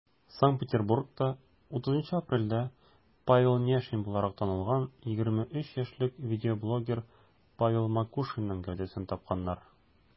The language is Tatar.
Санкт-Петербургта 30 апрельдә Павел Няшин буларак танылган 23 яшьлек видеоблогер Павел Макушинның гәүдәсен тапканнар.